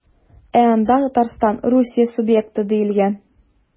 Ә анда Татарстан Русия субъекты диелгән.